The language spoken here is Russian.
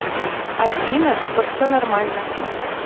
афина что все нормально